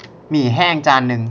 หมี่แห้งจานนึง